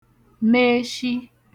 meshi